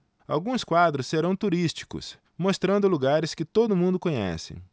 alguns quadros serão turísticos mostrando lugares que todo mundo conhece